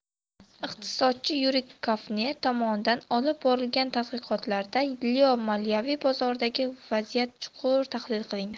iqtisodchi yuriy kofner tomonidan olib borilgan tadqiqotlarda yeoii moliyaviy bozoridagi vaziyat chuqur tahlil qilingan